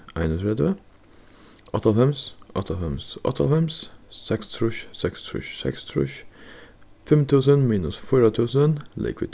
einogtretivu áttaoghálvfems áttaoghálvfems áttaoghálvfems seksogtrýss seksogtrýss seksogtrýss fimm túsund minus fýra túsund ligvið